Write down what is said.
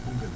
Koungheul